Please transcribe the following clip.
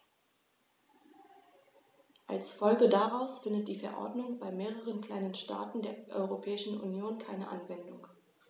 Als Folge daraus findet die Verordnung bei mehreren kleinen Staaten der Europäischen Union keine Anwendung.